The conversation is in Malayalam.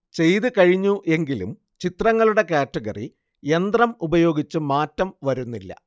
ചെയ്തു കഴിഞ്ഞു എങ്കിലും ചിത്രങ്ങളുടെ കാറ്റഗറി യന്ത്രം ഉപയോഗിച്ച് മാറ്റം വരുന്നില്ല